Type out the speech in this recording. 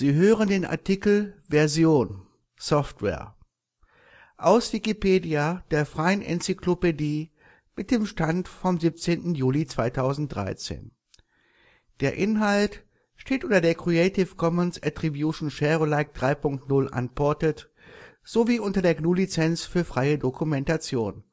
hören den Artikel Version (Software), aus Wikipedia, der freien Enzyklopädie. Mit dem Stand vom Der Inhalt steht unter der Lizenz Creative Commons Attribution Share Alike 3 Punkt 0 Unported und unter der GNU Lizenz für freie Dokumentation